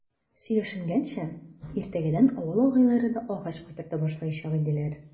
Сөйләшенгәнчә, иртәгәдән авыл агайлары да агач кайтарта башлаячак иделәр.